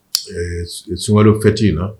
Ɛɛ sunkaw fɛ ten in na